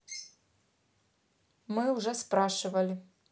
мы уже спрашивали